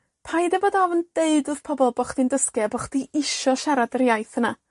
Paid â bod ofyn deud wrth pobol bo' chdi'n dysgu a bo' chdi isio siarad yr iaith yna.